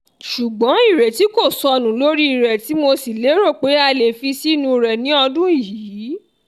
Ṣùgbọ́n ìrètí kò sọnù lórí rẹ̀ tí mo sì lérò pé a lè fi sínú rẹ̀ ní ọdún yìí!